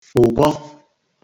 ụ̀bọ